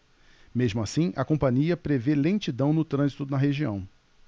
mesmo assim a companhia prevê lentidão no trânsito na região